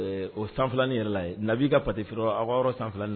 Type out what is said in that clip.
O sanfii yɛrɛ na b'i ka patɛfin aw yɔrɔ sanfi